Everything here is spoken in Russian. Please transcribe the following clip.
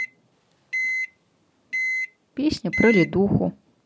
песня про ледуху